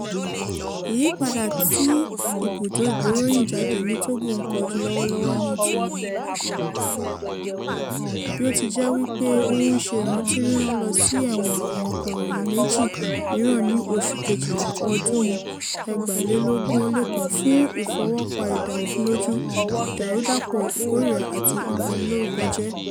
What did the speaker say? Ìyípadà tí ibùdó ìgbéròyìnjáde ní Togo ń kojú lọ́wọ́ lọ́wọ́ ní ìtumọ̀, bí ó ti jẹ́ wí pé ó ń ṣe ìrántí rírán lọ sí ẹ̀wọ̀n àwọn akọ̀ròyìn méjì mìíràn ní oṣù Kejìlá ọdún 2021 fún ìfọwọ́ pa idà òfin lójú, ìdàrúdàpọ̀ ìkórìíra àti ìbanilórúkọjẹ́.